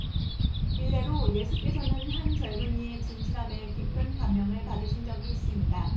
일례로 예수께서는 한 젊은이의 진실함에 깊은 감명을 받으신 적이 있습니다